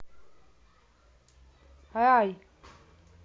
рай